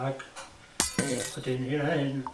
ag wedyn hyn a hyn.